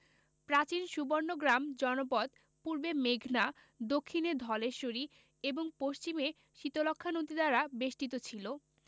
প্রাচীন সুবর্ণগ্রাম জনপদ পূর্বে মেঘনা দক্ষিণে ধলেশ্বরী এবং পশ্চিমে শীতলক্ষ্যা নদী দ্বারা বেষ্টিত ছিল